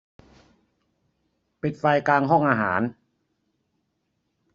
ปิดไฟกลางห้องอาหาร